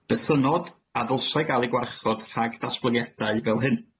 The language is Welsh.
Bythynnod a ddylsai ga'l eu gwarchod rhag datblygiadau fel hyn.